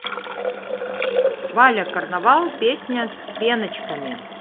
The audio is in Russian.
валя карнавал песня с пеночками